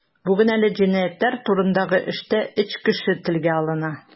Бүген әлеге җинаятьләр турындагы эштә өч кеше телгә алына.